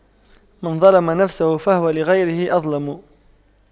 من ظَلَمَ نفسه فهو لغيره أظلم